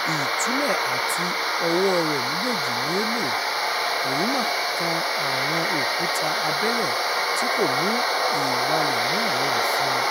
Ìtúlẹ̀ àti ọwọ́ọ rẹ̀ méjèèjì ni ó lò, Ouma kan àwọn òkúta abẹ́lẹ̀ tí kò mú ìwalẹ̀ náà rọrùn fún un.